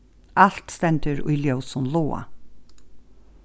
alt stendur í ljósum loga